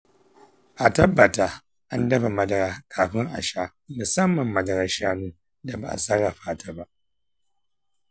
a tabbata an dafa madara kafin a sha musamman madarar shanu da ba'a sarrafa ta ba.